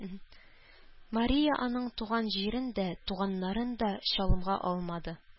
Мария аның туган җирен дә, туганнарын да чалымга алмады.